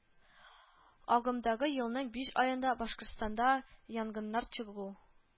Агымдагы елның биш аенда Башкортстанда янгыннар чыгу